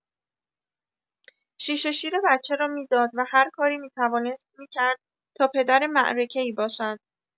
شیشه‌شیر بچه را می‌داد و هر کاری می‌توانست می‌کرد تا پدر معرکه‌ای باشد.